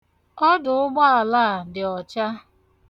Ọdụụgbọala a dị ọcha.